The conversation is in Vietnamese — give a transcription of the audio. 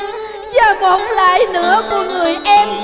giờ một lạy nữa của người em